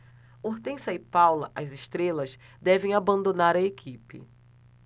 hortência e paula as estrelas devem abandonar a equipe